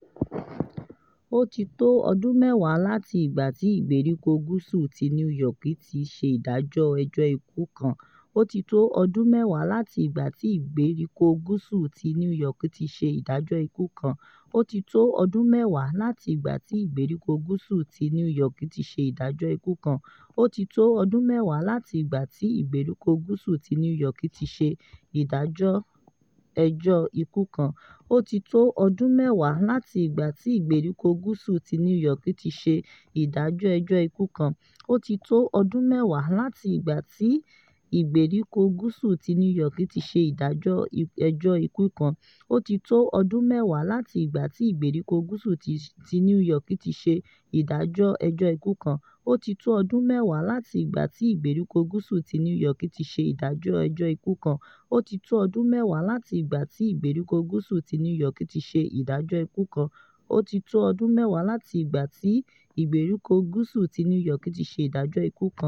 Ó ti tó ọdún mẹ́wàá láti ìgbàtí ìgbèríko Gúsù ti New York ti ṣe ìdájọ́ ẹjọ́ ikú kan.